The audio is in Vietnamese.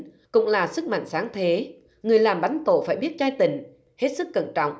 cũng là sức mạnh sáng thế người làm bánh tổ phải biết chai tình hết sức cẩn trọng